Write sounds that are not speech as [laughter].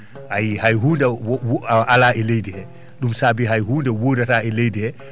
a yiyii hay huunde [hesitation] alaa e leydi hee ɗum saabi hay huunde wuurataa e leydi hee